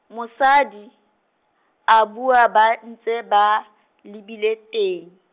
mosadi, a bua ba ntse ba, lebile teng.